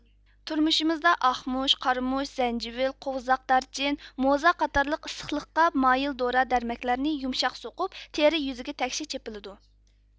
تۇرمۇشىمىزدا ئاقمۇچ قارىمۇچ زەنجىۋىل قوۋزاق دارچىن موزا قاتارلىق ئىسسىقلىققا مايىل دورا دەرمەكلەرنى يۇمشاق سوقۇپ تېرە يۈزىگە تەكشى چېپىلىدۇ